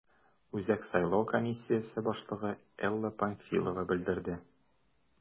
Үзәк сайлау комиссиясе башлыгы Элла Памфилова белдерде: